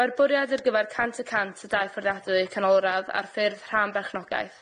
Mae'r bwriad ar gyfer cant y cant o dai fforddiadwy canolradd ar ffurf rhan berchnogaeth.